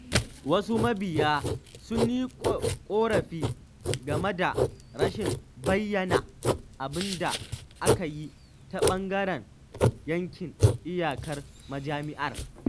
Wasu mabiya sun yi ƙorafi game da rashin bayyana abin da aka yi ta ɓangaren yankin iyakar majami’ar.